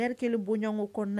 Kelen boɲɔgɔn o kɔnɔ